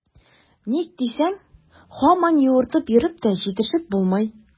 Ник дисәң, һаман юыртып йөреп тә җитешеп булмый.